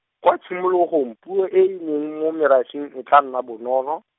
kwa tshimologong, puo e e leng mo merafeng e tla nna bonolo.